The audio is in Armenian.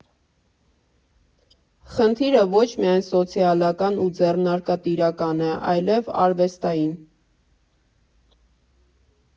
Խնդիրը ոչ միայն սոցիալական ու ձեռնարկատիրական է, այլև արվեստային։